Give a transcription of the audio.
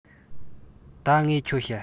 ད ངས ཁྱོད བཤད